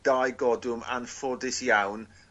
dau godwm anffodus iawn